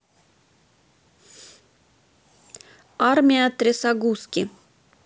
армия трясогузки